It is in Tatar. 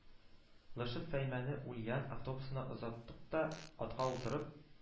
Лышып, фәймәне ульян автобусына озаттык та, атка утырып,